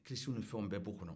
kilisi ni fɛnw bɛɛ b'o kɔnɔ